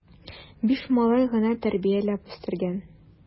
Биш малай гына тәрбияләп үстергән!